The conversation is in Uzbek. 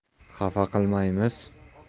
xafa qilmaymiz